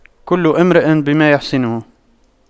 كل امرئ بما يحسنه